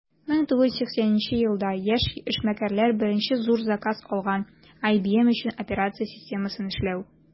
1980 елда яшь эшмәкәрләр беренче зур заказ алган - ibm өчен операция системасын эшләү.